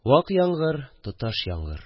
Вак яңгыр, тоташ яңгыр